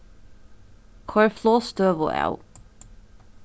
koyr flogstøðu av